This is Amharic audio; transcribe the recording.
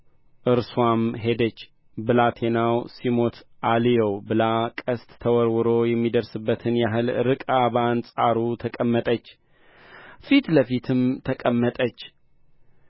እርስዋም ሄደች ብላቴናው ሲሞት አልየው ብላ ቀስት ተወርውሮ የሚደርስበትን ያህል ርቃ በአንጻሩ ተቀመጠች ፊት ለፊትም ተቀመጠች